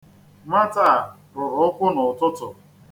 Nwata a rụrụ ụkwụ n'ụtụtụ.